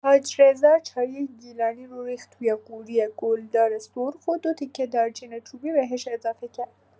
حاج رضا چایی گیلانی رو ریخت تو قوری گلدار سرخ و دوتیکه دارچین چوبی بهش اضافه کرد.